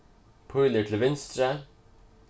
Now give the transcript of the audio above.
pílur til vinstru